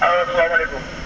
asalaamaaleykum